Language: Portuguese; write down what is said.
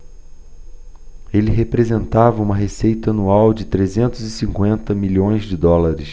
ele representava uma receita anual de trezentos e cinquenta milhões de dólares